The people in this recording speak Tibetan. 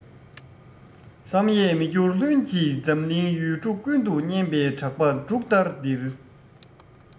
བསམ ཡས མི འགྱུར ལྷུན གྱིས འཛམ གླིང ཡུལ གྲུ ཀུན ཏུ སྙན པའི གྲགས པ འབྲུག ལྟར ལྡིར